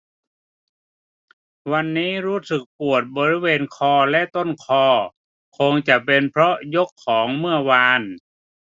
วันนี้รู้สึกปวดบริเวณคอและต้นคอคงจะเป็นเพราะยกของเมื่อวาน